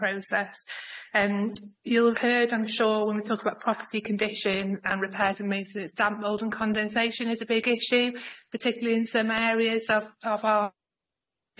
process and you'll have heard I'm sure when we talk about property condition and repairs and maintenance damp mould and condensation is a big issue particularly in some areas of of our,